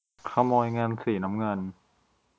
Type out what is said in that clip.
ขโมยเงินสีน้ำเงิน